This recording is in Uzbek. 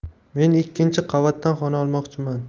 men ikkinchi qavatdan xona olmoqchiman